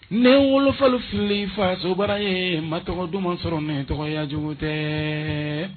Ne n wolofalofilen fasoba ye mat duman ma sɔrɔ n tɔgɔya cogo tɛ